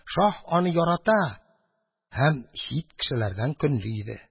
Шаһ аны ярата һәм чит кешеләрдән көнли иде.